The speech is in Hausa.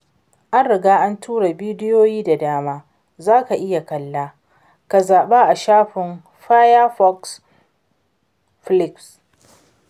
An riga an tura bidiyoyi da dama, za ka iya kalla, ka zaɓa a shafin Firefox Flicks.